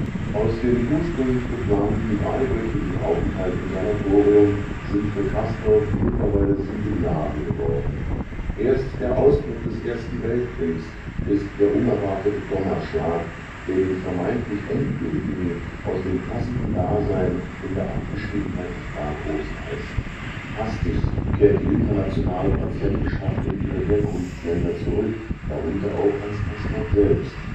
Aus dem ursprünglich geplanten dreiwöchigen Aufenthalt im Sanatorium sind für Castorp mittlerweile sieben Jahre geworden. Erst der Ausbruch des Ersten Weltkriegs ist der unerwartete „ Donnerschlag “, der den vermeintlich „ Endgültigen “aus dem passiven Dasein in der Abgeschiedenheit des Berghofs reißt. Hastig kehrt die internationale Patientenschaft in ihre Herkunftsländer zurück, darunter auch Hans Castorp selbst